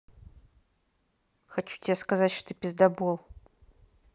хочу тебе сказать что ты пиздабол